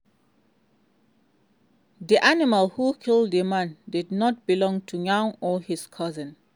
The animal who killed the man did not belong to Yuan or his cousin.